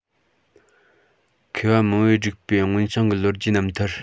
མཁས པ མང པོས བསྒྲིགས པའི སྔོན བྱུང གི ལོ རྒྱུས རྣམ ཐར